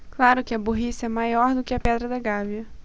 claro que a burrice é maior do que a pedra da gávea